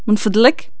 من فضلك